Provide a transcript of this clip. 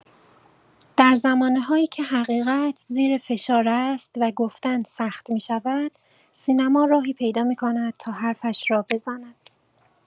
در زمانه‌هایی که حقیقت زیر فشار است و گفتن سخت می‌شود، سینما راهی پیدا می‌کند تا حرفش را بزند.